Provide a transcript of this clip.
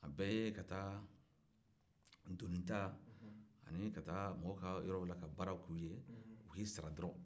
a bɛɛ ye ka taa doni ta ani ka taa mɔgɔ ka yɔrɔw la ka baara k'u ye u k''i sara dɔrɔn